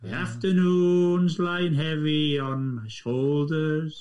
the afternoons lie in heavy on my shoulders.